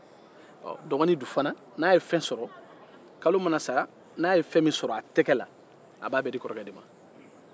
dɔgɔnin dun mana fɛn min sɔrɔ a b'a bɛɛ di kɔrɔkɛ ma kalo mana sa